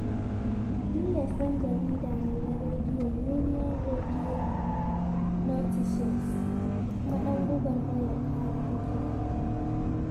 [Diaz] ɗan jarida ne na Rediyon Union Radio Noticias kuma ɗan gwagwarmayar kare haƙƙin al'umma ne.